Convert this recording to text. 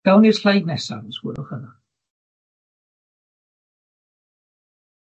Gawn ni'r sleid nesa, os gwelwch yn dda.